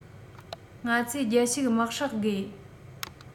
ང ཚོས རྒྱལ ཕྱུག དམག ཧྲག དགོས